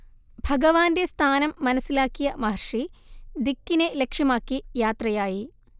ഭഗവാന്റെ സ്ഥാനം മനസ്സിലാക്കിയ മഹർഷി ദിക്കിനെ ലക്ഷ്യമാക്കി യാത്രയായി